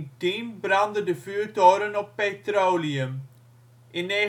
1910 brandde de vuurtoren op petroleum. In 1927